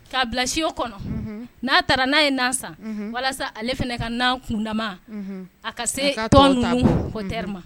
Ka bila siyon kɔnɔ. Na taara na ye na san walasa ale fana ka na kundama a ka se tɔ nunun hauteur ma.